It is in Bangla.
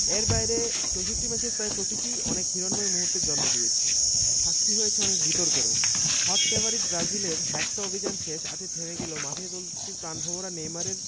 এর বাইরে ৬৪ ম্যাচের প্রায় প্রতিটিই অনেক হিরণ্ময় মুহূর্তের জন্ম দিয়েছে সাক্ষী হয়েছে অনেক বিতর্কেরও হট ফেভারিট ব্রাজিলের হেক্সা অভিযান শেষ আটে থেমে গেলেও মাঠে দলটির প্রাণভোমরা নেইমারের